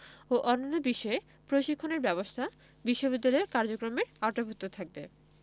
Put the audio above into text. ও অন্যান্য বিষয়ে প্রশিক্ষণের ব্যবস্থা বিশ্ববিদ্যালয়ের কার্যক্রমের আওতাভুক্ত থাকবে